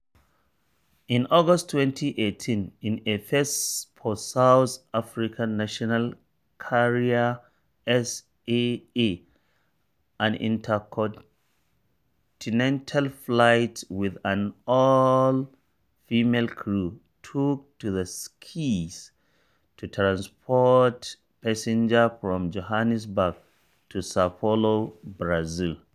In August 2018, in a first for South Africa's national carrier SAA, an intercontinental flight with an all-female crew took to the skies to transport passengers from Johannesburg to Sao Paulo, Brazil.